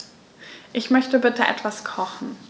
Ich möchte bitte etwas kochen.